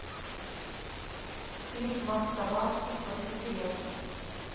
клип макса барских по секрету